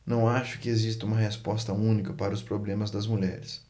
não acho que exista uma resposta única para os problemas das mulheres